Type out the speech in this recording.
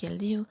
keldi yu